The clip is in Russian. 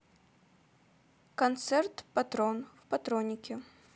концерт патрон в патроннике